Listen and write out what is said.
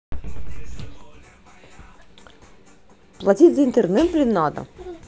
платить за интернет блин надо